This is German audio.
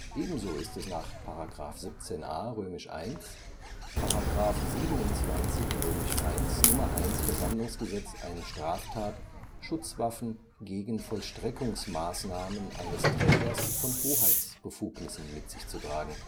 Ebenso ist es nach § 17a I, § 27 I Nr. 1 VersammlG eine Straftat, Schutzwaffen gegen Vollstreckungsmaßnahmen eines Trägers von Hoheitsbefugnissen mit sich zu tragen